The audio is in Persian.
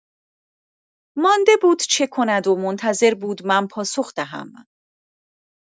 مانده بود چه کند و منتظر بود من پاسخ دهم.